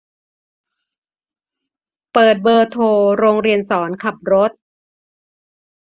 เปิดเบอร์โทรโรงเรียนสอนขับรถ